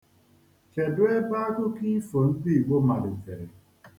Kedu ebe akụkọ ifo ndị Igbo malitere?